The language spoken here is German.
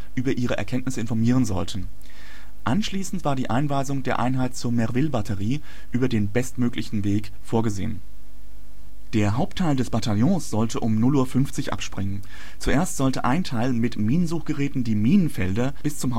ihre Erkenntnisse informieren sollten. Anschließend war die Einweisung der Einheit zur Merville-Batterie über den bestmöglichen Weg vorgesehen. Der Hauptteil des Bataillons sollte um 0:50 Uhr abspringen. Zuerst sollte ein Teil mit Minensuchgeräten die Minenfelder bis zum